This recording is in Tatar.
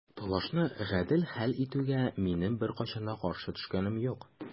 Талашны гадел хәл итүгә минем беркайчан да каршы төшкәнем юк.